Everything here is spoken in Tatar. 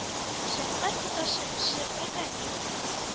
Шәфкать туташы эше, программист